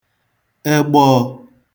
egbọọ̄